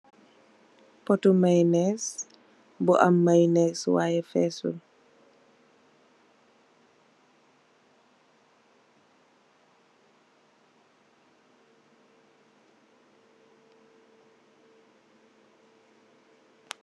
Poti mayonnaise bu am mayonnaise waii fesut.